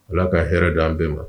Ala ka hɛrɛ d an bɛɛ ma